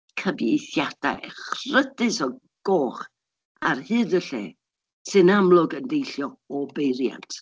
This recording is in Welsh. Cyfieithiadau echrydus o goch ar hyd y lle, sy'n amlwg yn deillio o beiriant.